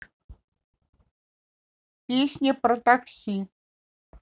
песня про такси